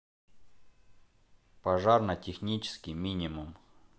пожарно технический минимум